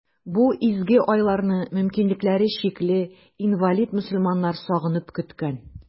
Бу изге айларны мөмкинлекләре чикле, инвалид мөселманнар сагынып көткән.